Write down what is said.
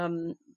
yym